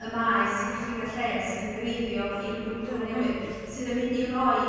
y maes iechyd a lles yn greiddiol i'r cwricwlwm newydd sydd yn mynd i roid